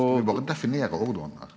skal vi berre definere ordoen her?